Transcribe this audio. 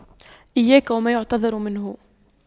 إياك وما يعتذر منه